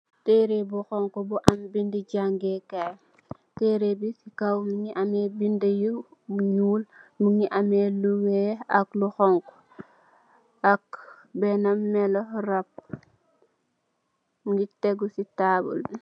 Tere bu xonxo bu am binduh jange kaay. Ci kaw mungi ame binduh yu nyul. Mungi ame lu weex ak lu xonxo, ak bena melu rapp mungi teguh ci tabul bi.